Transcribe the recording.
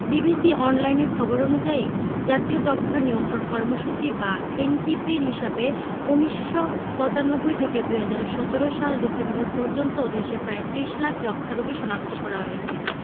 BBC অনলাইনের খবর অনুযায়ী জাতীয় যক্ষ্মা নিয়ন্ত্রণ কর্মসূচি বা এনটিপির হিসেবে ১৯৯৫ থেকে ২০১৭ সাল ডিসেম্বর পর্যন্ত দেশে প্রায় ৩০ লাখ যক্ষ্মা রোগী শনাক্ত করা হয়েছে